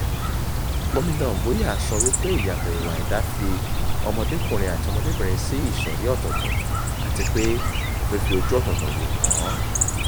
Ms. Mbuya sọ wípé ìyàtọ̀ ìwà ẹ̀dá fi ọmọdékùnrin àti ọmọdébìnrin sí "ìsọ̀rí ọ̀tọ̀ọ̀tọ̀ " àti pé, òfin fi ojú ọ̀tọ̀ọ̀tọ̀ wò wọ́n.